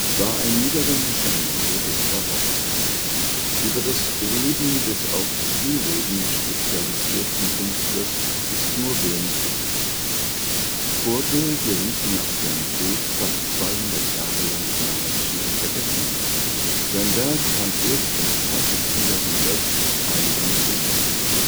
war ein niederländischer Maler des Barock. Über das Leben des auf Stillleben spezialisierten Künstlers ist nur wenig bekannt. Coorte geriet nach seinem Tod fast 200 Jahre nahezu in Vergessenheit. Sein Werk fand erst im 20. Jahrhundert Eingang in öffentliche